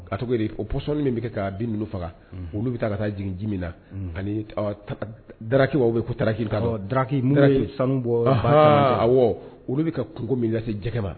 Ka to oɔsɔnoni min bɛ kɛ bin minnu faga olu bɛ taa taa jiginjimina na ani darakakiw bɛ ko daki daki sanu bɔ olu bɛ ka kungo min jɛgɛ ma